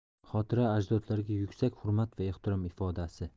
xotira ajdodlarga yuksak hurmat va ehtirom ifodasi